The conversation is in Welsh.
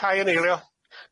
Cai yn eilio.